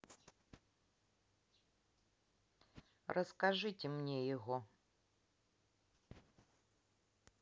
расскажите мне его